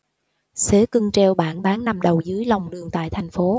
xế cưng treo bản bán nằm đầu dưới lòng đường tại thành phố